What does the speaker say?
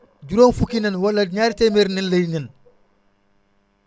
juróom fukki nen wala ñaar téeméeri nen lay nen